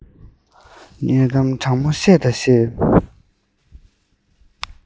དྲང མོར བཤད ད བཤད